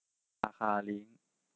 ราคาลิ้ง